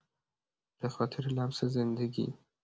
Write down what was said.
به‌خاطر لمس زندگی.